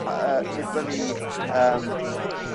ma yy Nibali yym